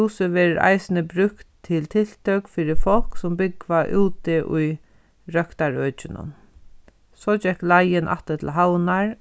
húsið verður eisini brúkt til tiltøk fyri fólk sum búgva úti í røktarøkinum so gekk leiðin aftur til havnar